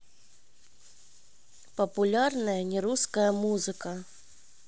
популярная не русская музыка